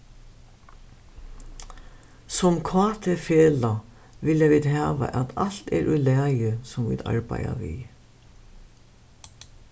sum kt-felag vilja vit hava at alt er í lagi sum vit arbeiða við